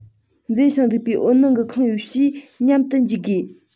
མཛེས ཤིང སྡུག པའི འོད སྣང གིས ཁེངས ཡོད ཅེས སྙམ དུ འཇུག དགོས